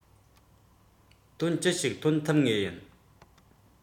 ཁོ ཐག རར ཞུགས དགོས